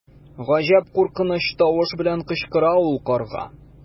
Гаҗәп куркыныч тавыш белән кычкыра ул карга.